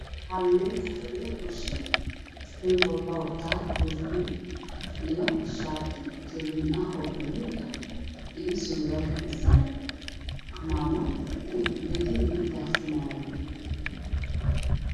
Hal nin fadhiyo gursi ninka wxuu watada guufida io shaati tolin ee baluug ah gulwaalkida cimada